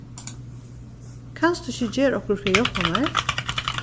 kanst tú ikki gera okkurt fyri at hjálpa mær